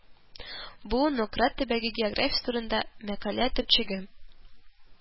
Бу Нократ төбәге географиясе турында мәкалә төпчеге